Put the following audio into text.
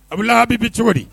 A a'i bi cogo di